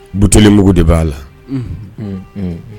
Butlenmugu de b'a la